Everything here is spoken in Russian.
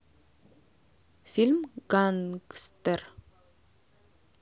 фильм гангстер